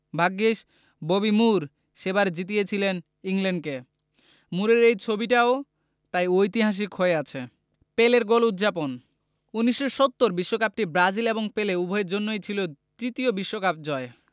ভাগ্যিস Bobby Moore সেবার জিতিয়েছিলেন ইংল্যান্ডকে মুরের এই ছবিটাও তাই ঐতিহাসিক হয়ে আছে পেলের গোল উদ্ যাপন ১৯৭০ বিশ্বকাপটি ব্রাজিল এবং পেলে উভয়ের জন্যই ছিল তৃতীয় বিশ্বকাপ জয়